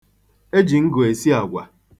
E ji ngụ esi agwa.